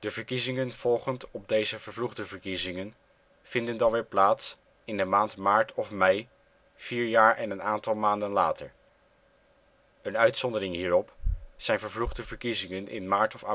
verkiezingen volgend op deze vervroegde verkiezingen vinden dan weer plaats in de maand maart of mei, 4 jaar en een aantal maanden later. Een uitzondering hierop zijn vervroegde verkiezingen in maart